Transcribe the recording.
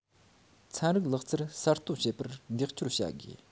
ཚན རིག ལག རྩལ གསར གཏོད བྱེད པར འདེགས སྐྱོར བྱ དགོས